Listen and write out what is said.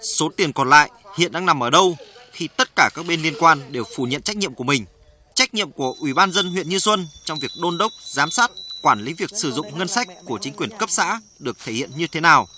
số tiền còn lại hiện đang nằm ở đâu khi tất cả các bên liên quan đều phủ nhận trách nhiệm của mình trách nhiệm của ủy ban dân huyện như xuân trong việc đôn đốc giám sát quản lý việc sử dụng ngân sách của chính quyền cấp xã được thể hiện như thế nào